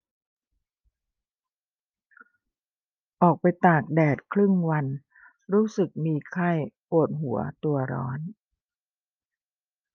ออกไปตากแดดครึ่งวันรู้สึกมีไข้ปวดหัวตัวร้อน